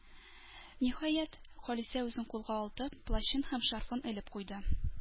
Ниһаять, Халисә үзен кулга алды, плащын һәм шарфын элеп куйды.